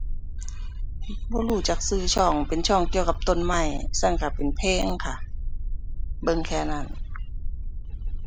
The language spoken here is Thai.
บ่รู้จักชื่อช่อง เป็นช่องเกี่ยวกับต้นไม้ ซั้นชื่อเป็นเพลงค่ะ เบิ่งแค่นั้น